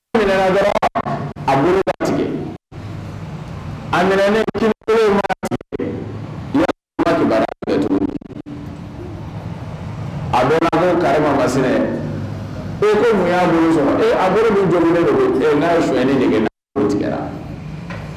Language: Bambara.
A tigɛ a minɛ ne a bɛ karima ma sɛnɛ e munyaa ninnu sɔrɔ e a bere min jɔn don e n'a ye son ni tigɛ